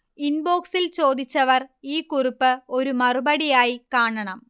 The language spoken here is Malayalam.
ഇൻബോക്സിൽ ചോദിച്ചവർ ഈ കുറിപ്പ് ഒരു മറുപടി ആയി കാണണം